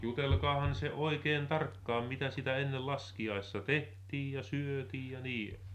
jutelkaahan se oikein tarkkaan mitä sitä ennen laskiaisena tehtiin ja syötiin ja niin